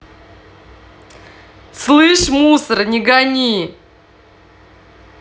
слышишь мусор не гони